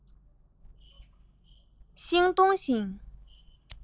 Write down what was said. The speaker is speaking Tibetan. ཤིང སྡོང བཞིན